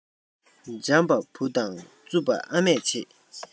འཇམ པ བུ དང རྩུབ པ ཨ མས བྱེད